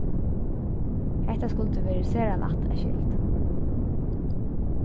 hetta skuldi verið sera lætt at skilt